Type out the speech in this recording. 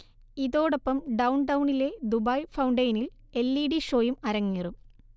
ഇതോടൊപ്പം ഡൗൺടൗണിലെ ദുബായ് ഫൗണ്ടെയിനിൽ എൽ ഇഡി ഷോയും അരങ്ങേറും